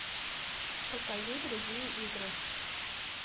покажи другие игры